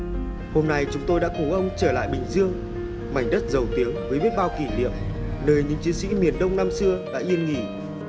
hôm nay chúng tôi đã cùng ông trở lại bình dương mảnh đất dầu tiếng với biết bao kỷ niệm nơi những chiến sĩ miền đông năm xưa đã yên nghỉ